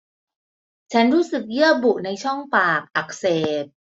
ฉันรู้สึกเยื่อบุในช่องปากอักเสบ